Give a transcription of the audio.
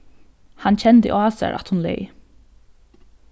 hann kendi á sær at hon leyg